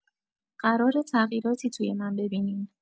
قراره تغییراتی توی من ببینین.